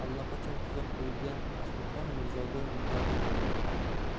allaqachon tuzab qo'yilgan dasturxon mirzoga muntazir edi